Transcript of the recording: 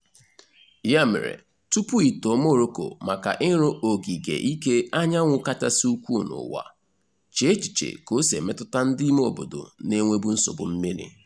Ya mere, tupu i too Morocco maka ịrụ ogige ike anyanwụ kachasị ukwuu n'ụwa, chee echiche ka o si emetụta ndị imeobodo na-enwebu nsogbu mmiri.